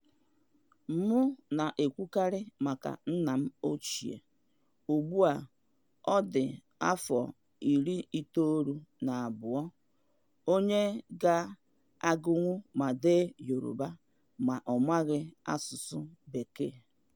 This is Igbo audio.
Mụ na-ekwukarị maka nna m ochie (ugbua ọ dị 92) onye ga-agụnwu ma dee Yoroba mana ọ maghị English.